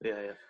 Ie ie.